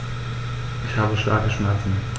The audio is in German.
Ich habe starke Schmerzen.